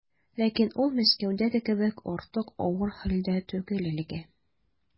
Ләкин ул Мәскәүдәге кебек артык авыр хәлдә түгел әлегә.